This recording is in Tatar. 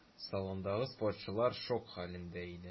Салондагы спортчылар шок хәлендә иде.